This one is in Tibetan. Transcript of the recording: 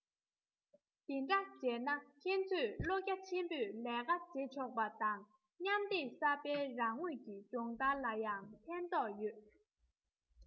དེ འདྲ བྱས ན ཁྱེད ཚོས བློ རྒྱ ཆེན པོས ལས ཀ བྱེད ཆོག པ དང མཉམ སྡེབ གསར པའི རང ངོས ཀྱི སྦྱོང བརྡར ལ ཡང ཕན ཐོགས ཡོད